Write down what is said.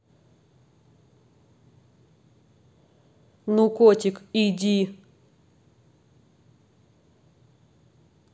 ну котик иди